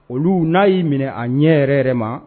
Olu n'a y'i minɛ a ɲɛ yɛrɛ yɛrɛ ma